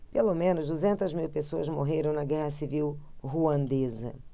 pelo menos duzentas mil pessoas morreram na guerra civil ruandesa